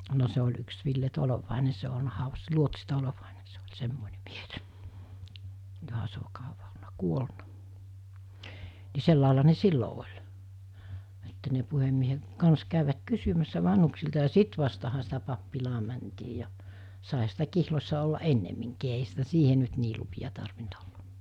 no se oli yksi Ville Tolvanen se on ollut haudassa luotsi Tolvanen se oli semmoinen mies johan se on kauan ollut kuollut niin sellainen ne silloin oli että ne puhemiehen kanssa kävivät kysymässä vanhuksilta ja sitten vasta sitä pappilaan mentiin ja saihan sitä kihloissa olla ennemminkin eihän sitä siihen nyt niin lupia tarvinnut olla